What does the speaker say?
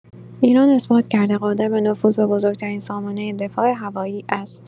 ایران اثبات کرده قادر به نفوذ به بزرگ‌ترین سامانه دفاع هوایی است.